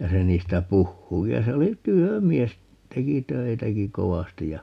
ja se niistä puhuu - se oli työmies teki töitäkin kovasti ja